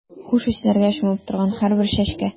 Хуш исләргә чумып торган һәрбер чәчкә.